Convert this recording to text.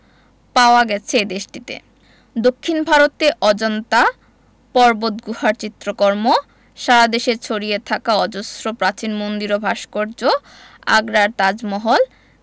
পাওয়া গেছে এ দেশটিতে দক্ষিন ভারতে অজন্তা পর্বতগুহার চিত্রকর্ম সারা দেশে ছড়িয়ে থাকা অজস্র প্রাচীন মন্দির ও ভাস্কর্য আগ্রার তাজমহল